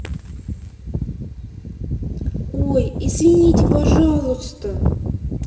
ой извините пожалуйста